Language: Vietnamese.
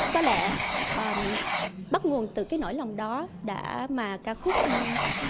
có lẽ ờ bắt nguồn từ cái nỗi lòng đó đã mà ca khúc